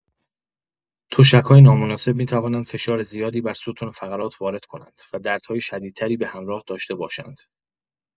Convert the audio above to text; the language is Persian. تشک‌های نامناسب می‌توانند فشار زیادی بر ستون فقرات وارد کنند و دردهای شدیدتری به همراه داشته باشند.